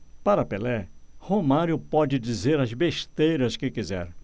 para pelé romário pode dizer as besteiras que quiser